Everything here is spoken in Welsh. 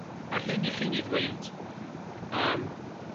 yr hyn i chi'n i ddweud yym